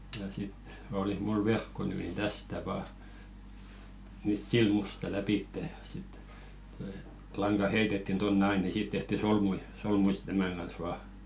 ja sitten olisi minulla verkko nyt niin tästä vain nyt silmusta lävitse ja sitten tuo lanka heitettiin tuonne aina niin siitä tehtiin solmuja solmuja sitten tämän kanssa vain